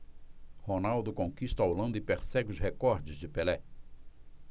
ronaldo conquista a holanda e persegue os recordes de pelé